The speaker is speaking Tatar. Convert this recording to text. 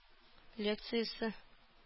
Лекциясе